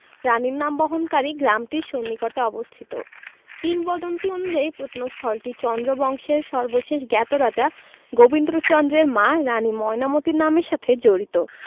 রানীর নাম বহনকারী গ্রামটির সন্নিকটে অবস্থিত কিংবদন্তী অনুযায়ী প্রত্নস্থলটি চন্দ্র বংশের সর্বশেষ জ্ঞাত রাজা গোবিন্দচন্দ্রের মা রানী ময়নামতীর নামের সাথে জড়িত